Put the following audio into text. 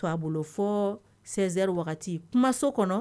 A bolo fo sɛɛnri wagati kumaso kɔnɔ